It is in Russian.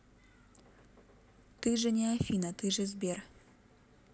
ты же не афина ты же сбер